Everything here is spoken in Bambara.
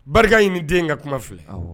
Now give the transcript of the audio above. Barikaɲiniden ka kuma filɛ